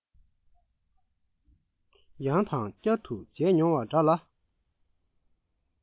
ཡང དང བསྐྱར དུ མཇལ མྱོང བ འདྲ ལ